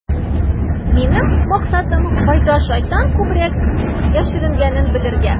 Минем максатым - кайда шайтан күбрәк яшеренгәнен белергә.